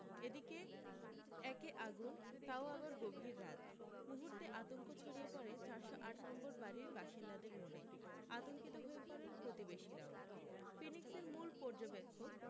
এদিকে একে আগুন তাও আবার গভীর রাত মূহুর্তে আতঙ্ক ছড়িয়ে পড়ে চারশো আট নম্বর বাড়ীর বাসিন্দাদের মনে আতঙ্কিত হয়ে পড়েন প্রতিবেশীরাও ফিনিক্সের মূল পর্যবেক্ষক